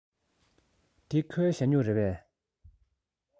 འདི ཁོའི ཞ སྨྱུག རེད པས